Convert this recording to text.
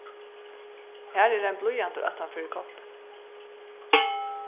har er ein blýantur aftan fyri koppin